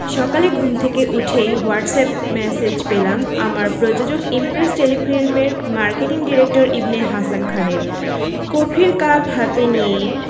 সকালে ঘুম থেকে উঠেই হোয়াটসঅ্যাপ ম্যাসেজ পেলাম আমার প্রযোজক ইমপ্রেস টেলিফিল্মের মার্কেটিং ডিরেক্টর ইবনে হাসান খানের কফির কাপ হাতেই নিয়ে